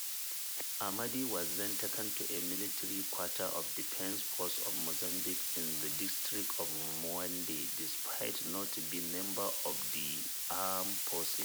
Amade was then taken to a military quarter of the Defense Forces of Mozambique in the district of Mueda, despite not being a member of the armed forces.